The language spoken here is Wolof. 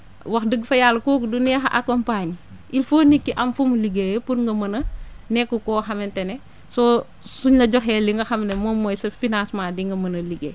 wax dëgg fa yàlla kooku du neex a accompagner il faut nit ki am fu mu liggéyee pour nga mën a nekk koo xamante ne soo suñ la joxee li nga xam ne moom mooy sa finacement di nga mën a liggéey